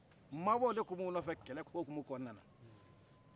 mabɔw de tun b'u nɔfɛ kɛlɛ hokumu kɔnɔna la